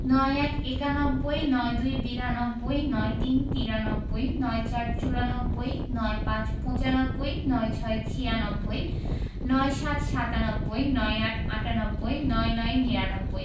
৯১ - একানব্বই ৯২ - বিরানব্বই ৯৩ - তিরানব্বই ৯৪ – চুরানব্বই ৯৫ - পচানব্বই ৯৬ - ছিয়ানব্বই ৯৭ – সাতানব্বই ৯৮ - আটানব্বই ৯৯ - নিরানব্বই